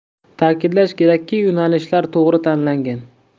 ta'kidlash kerakki yo'nalishlar to'g'ri tanlangan